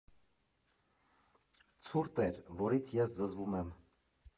Ցուրտ էր, որից ես զզվում եմ։